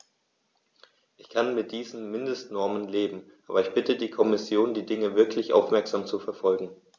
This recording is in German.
Ich kann mit diesen Mindestnormen leben, aber ich bitte die Kommission, die Dinge wirklich aufmerksam zu verfolgen.